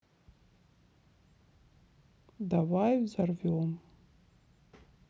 давай взорвем